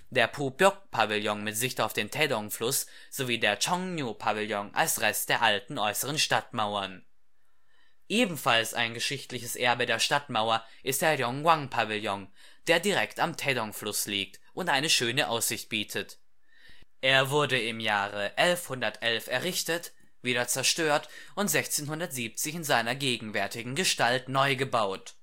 der Pubyok-Pavillon mit Sicht auf den Taedong-Fluss sowie der Chongnyu-Pavillon als Rest der alten äußeren Stadtmauern. Ebenfalls ein geschichtliches Erbe der Stadtmauer ist der Ryongwang-Pavillon, der direkt am Taedongfluss liegt und eine schöne Aussicht bietet. Er wurde im Jahre 1111 errichtet, wieder zerstört und 1670 in seiner gegenwärtigen Gestalt neu gebaut